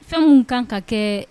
Fɛn' kan ka kɛ